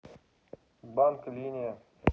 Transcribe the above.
банк линия